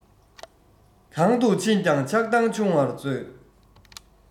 གང དུ ཕྱིན ཀྱང ཆགས སྡང ཆུང བར མཛོད